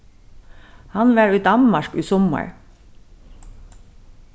hann var í danmark í summar